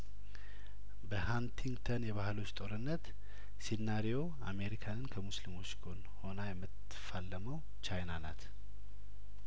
በሀንቲንግተን የባህሎች ጦርነት ሲናሪዮ አሜሪካንን ከሙስሊሞች ጐን ሆና የምት ፋለመው ቻይና ናት